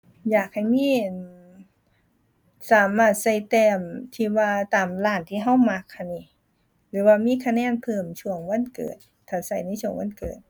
อยากให้มี อั่น สามารถใช้แต้มที่ว่าตามร้านที่ใช้มักหั้นนี้ หรือว่ามีคะแนนเพิ่มช่วงวันเกิด ถ้าใช้ในช่วงวันเกิด